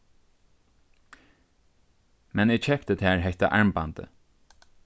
men eg keypti tær hetta armbandið